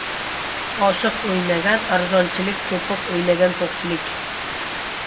oshiq o'ynagan arzonchilik to'piq o'ynagan to'qchilik